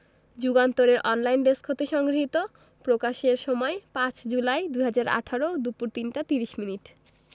যুগান্তর এর online desk হতে সংগৃহীত প্রকাশের সময় ৫ জুলাই ২০১৮ দুপুর ৩টা ৩০ মিনিট